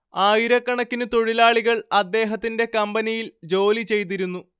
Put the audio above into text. ആയിരക്കണക്കിനു തൊഴിലാളികൾ അദ്ദേഹത്തിന്റെ കമ്പനിയിൽ ജോലി ചെയ്തിരുന്നു